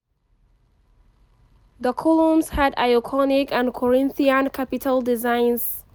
The columns had ionic and Corinthian capital designs.